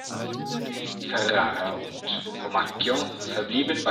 Ferrara und Comacchio verblieben